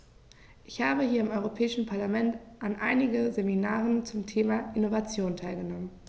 Ich habe hier im Europäischen Parlament an einigen Seminaren zum Thema "Innovation" teilgenommen.